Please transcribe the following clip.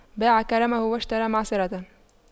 باع كرمه واشترى معصرة